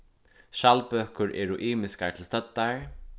skjaldbøkur eru ymiskar til støddar